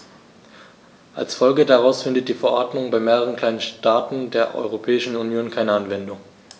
Als Folge daraus findet die Verordnung bei mehreren kleinen Staaten der Europäischen Union keine Anwendung.